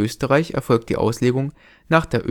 Österreich erfolgt die Auslegung nach der